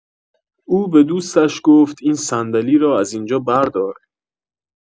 او به دوستش گفت این صندلی را از اینجا بردار